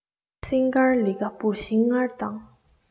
སེང དཀར ལིངྒ ག བུར ཤིང མངར དང